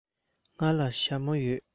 ང ལ ཞྭ མོ ཡོད